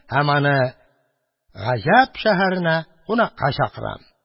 Һәм аны гаҗәп шәһәренә кунакка чакырам...